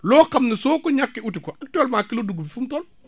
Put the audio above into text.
loo xam ne soo ko ñàkkee uti ko actuellement kilo dugub fu mu toll